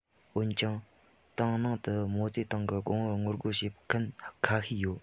འོན ཀྱང ཏང ནང དུ མའོ ཙེ ཏུང གི དགོངས པར ངོ རྒོལ བྱེད མཁན ཁ ཤས ཡོད